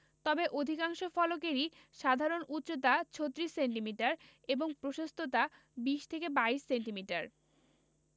তবে অধিকাংশ ফলকেরই সাধারণ উচচতা ৩৬ সেন্টিমিটার এবং প্রশস্ততা ২০ থেকে ২২ সেন্টিমিটার